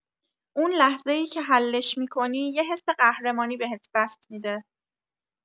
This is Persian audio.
اون لحظه‌ای که حلش می‌کنی، یه حس قهرمانی بهت دست می‌ده!